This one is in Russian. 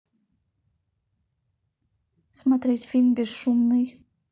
смотреть фильм бесшумный